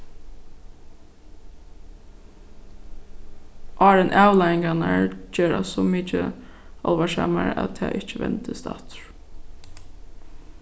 áðrenn avleiðingarnar gerast so mikið álvarsamar at tað ikki vendist aftur